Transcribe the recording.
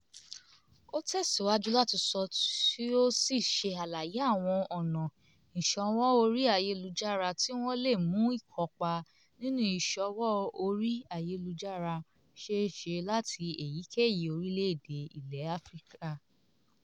Ó tẹ̀síwájú láti sọ tí ó sì ṣe àlàyé àwọn ọ̀nà ìṣanwó orí ayélujára tí wọ́n lè mú ìkópa nínú ìṣòwò orí ayélujára ṣeéṣe láti èyíkéyìí orílẹ̀-èdè ilẹ̀ Áfíríkà.